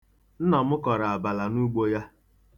Nna m koro abala n'ugbo ya.